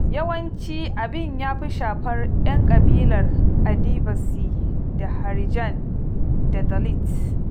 Yawanci abin ya fi shafar 'yan ƙabilar Adivasi da Harijan da Dalit.